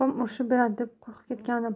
opam urishib beradi deb qo'rqib turgandim